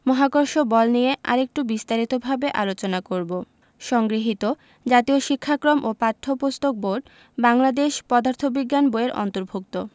মহাকর্ষ বল নিয়ে আরেকটু বিস্তারিতভাবে আলোচনা করব সংগৃহীত জাতীয় শিক্ষাক্রম ও পাঠ্যপুস্তক বোর্ড বাংলাদেশ পদার্থ বিজ্ঞান বই এর অন্তর্ভুক্ত